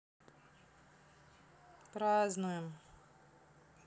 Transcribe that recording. празднуем